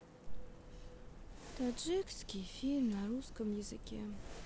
таджикский фильм на русском языке